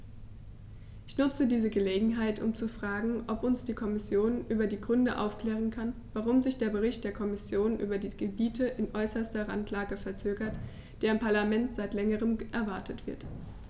Ich nutze diese Gelegenheit, um zu fragen, ob uns die Kommission über die Gründe aufklären kann, warum sich der Bericht der Kommission über die Gebiete in äußerster Randlage verzögert, der im Parlament seit längerem erwartet wird.